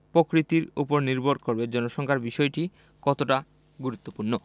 প্রকৃতির ওপর নির্ভর করবে জনসংখ্যার বিষয়টি কতটা গুরুত্বপূর্ণ